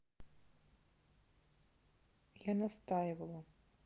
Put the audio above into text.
я настаивала